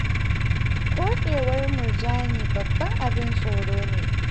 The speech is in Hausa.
Koɗewar murjani babban abin tsoro ne.